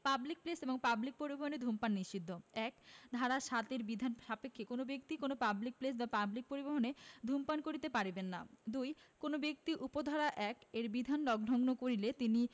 public place এবং public পরিবহণে ধূমপান নিষিদ্ধঃ ১ ধারা ৭ এর বিধান সাপেক্ষে কোন ব্যক্তি কোন পাবলিক প্লেস এবং পাবলিক পরিবহণে ধূমপান করিতে পারিবেন না ২ কোন ব্যক্তি উপ ধারা ১ এর বিধান লংঘন করিলে তিনি